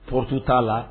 P t'a la